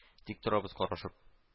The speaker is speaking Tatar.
Тик торабыз карашып